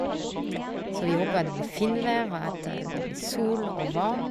Så vi håper at det blir finvær og at det blir sol og varm.